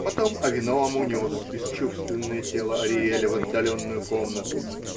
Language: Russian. Потом Авиноам унес бесчувственное тело Ариэля в отдаленную комнату.